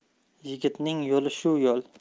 yigitning yo'li shu yo'l